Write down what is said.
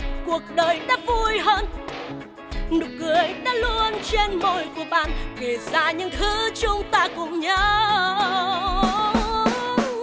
cuộc đời đã vui hơn nụ cười đã luôn trên môi của bạn kể ra những thứ chúng ta cùng nhau